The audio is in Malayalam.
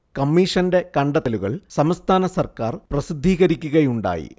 കമ്മീഷന്റെ കണ്ടെത്തലുകൾ സംസ്ഥാന സർക്കാർ പ്രസിദ്ധീകരിക്കുകയുണ്ടായി